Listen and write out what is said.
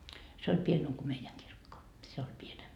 se oli pienempi kuin meidän kirkko se oli pienempi